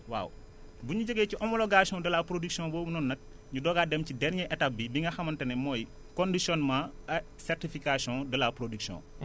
waaw bu ñu jógee ci homologation de la production boobu noonu nag ñu doog a dem ci derbier étape bi nga xamante ne mooy conditionnement a certification de la production